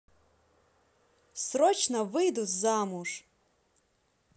срочно выйду замуж